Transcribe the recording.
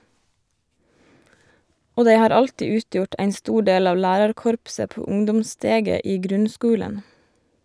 Og dei har alltid utgjort ein stor del av lærarkorpset på ungdomssteget i grunnskulen.